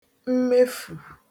mmefù